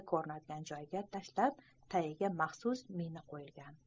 ko'rinadigan joyga tashlab tagiga maxsus mina qo'yishgan